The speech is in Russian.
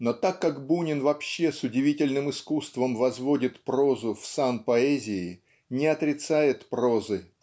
Но так как Бунин вообще с удивительным искусством возводит прозу в сан поэзии не отрицает прозы